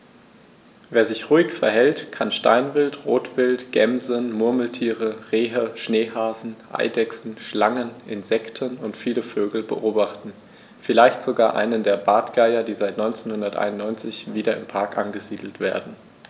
Wer sich ruhig verhält, kann Steinwild, Rotwild, Gämsen, Murmeltiere, Rehe, Schneehasen, Eidechsen, Schlangen, Insekten und viele Vögel beobachten, vielleicht sogar einen der Bartgeier, die seit 1991 wieder im Park angesiedelt werden.